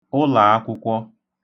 ụlàakwụkwọ